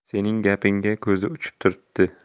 sening gapingga ko'zi uchib turibdi